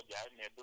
ok